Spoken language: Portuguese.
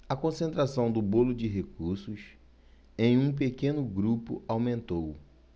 a concentração do bolo de recursos em um pequeno grupo aumentou